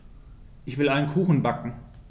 Ich will einen Kuchen backen.